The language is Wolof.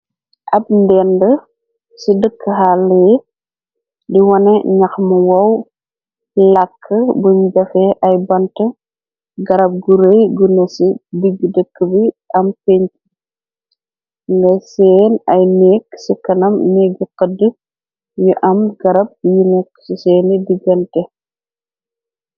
Abb ndendu ci dëkk xalee. Di wane ñax mu wow làkk. Buñ jafe ay bant garab guree gune ci digg dëkk bi am penj. Nga seen ay nekk ci kanam. Neggi xëdd yu am garab yu nekk ci seeni di gante.